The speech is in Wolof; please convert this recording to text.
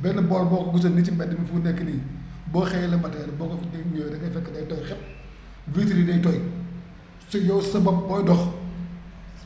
benn bois boo ko gisoon nii ci mbed mi fu mu nekk nii boo xëyee le matin rekk boo ko ñëwee da ngay fekk day tooy xepp vitres yi day tool yow sa bopp booy dox